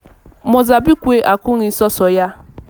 Mozambique akwụghị sọọsọ ya.